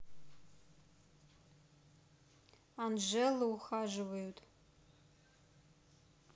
анжела ухаживают